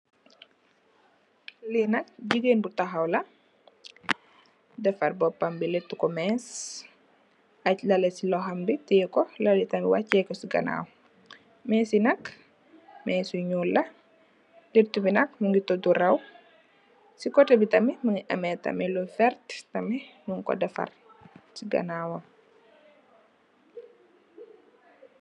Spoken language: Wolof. Li nak jigéen bu tahaw la, defar boppam bi lettu ko mèss. ag lalè ci lohom bi tè ko, lalè tamit wachè ko ci ganaaw. Mèss yi nak mèss yu ñuul la, lettu bi nak mungi tudu raw. Ci kotè bi tamit mungi ameh tamit lu vert tamit mung ko defar ci ganaawam.